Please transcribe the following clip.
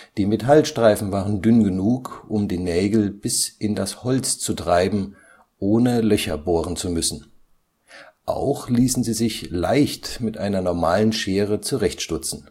Die Metallstreifen waren dünn genug, um die Nägel bis in das Holz zu treiben, ohne Löcher bohren zu müssen; auch ließen sie sich leicht mit einer normalen Schere zurechtstutzen